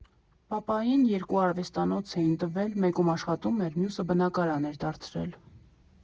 Պապային երկու արվեստանոց էին տվել, մեկում աշխատում էր, մյուսը բնակարան էր դարձրել։